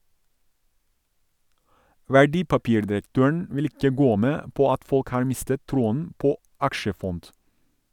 Verdipapirdirektøren vil ikke gå med på at folk har mistet troen på aksjefond.